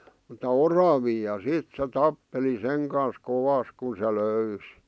mutta oravia ja sitten se tappeli sen kanssa kovasti kun se löysi